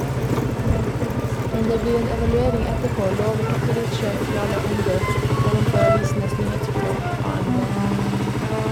Men det blir en evaluering etterpå, lover toppidrettssjef Jarle Aambø ovenfor Avisenes Nyhetsbyrå (ANB).